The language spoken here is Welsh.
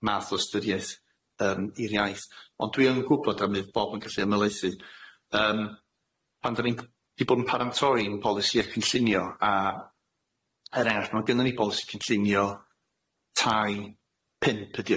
math o ystyriaeth yym i'r iaith ond dwi yn gwbod a mi o'dd Bob yn gallu ymhelaethu yym pan dan ni'n g- di bod yn parantroi'n bolisi a cynllunio a er enghraifft ma' gynnon ni bolisi cynllunio tai pump ydi